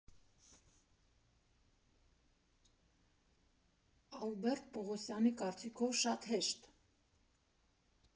Ալբերտ Պողոսյանի կարծիքով՝ շատ հեշտ.